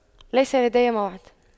ليس لدي موعد